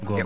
gonga